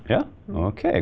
ja ok.